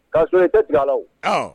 K kaa so i tɛ tigɛ a la